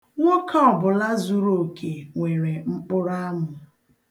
Nwoke ọbụla zuru oke nwere mkpụrụamụ.